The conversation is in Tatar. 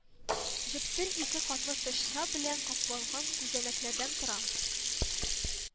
Җепсел ике катлы тышча белән капланган күзәнәкләрдән тора